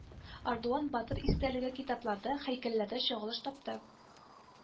Ардуан батыр истәлеге китапларда, һәйкәлләрдә чагылыш тапты